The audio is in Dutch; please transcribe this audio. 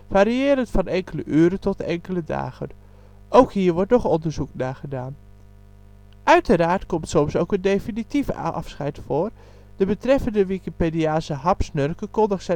varierend van enkele uren tot enkele dagen. Ook hier wordt nog onderzoek naar gedaan. Uiteraard komt soms ook een definitief afscheid voor. De betreffende Wikipediaanse hapsnurker kondigt